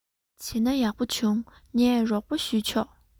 བྱས ན ཡག པོ བྱུང ངས རོགས པ བྱས ཆོག